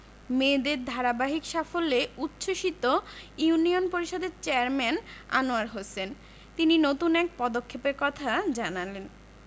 মেয়েদের ধারাবাহিক সাফল্যে উচ্ছ্বসিত ইউনিয়ন পরিষদের চেয়ারম্যান আনোয়ার হোসেন তিনি নতুন এক পদক্ষেপের কথা জানালেন